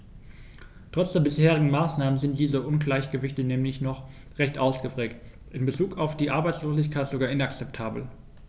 Trotz der bisherigen Maßnahmen sind diese Ungleichgewichte nämlich noch recht ausgeprägt, in bezug auf die Arbeitslosigkeit sogar inakzeptabel.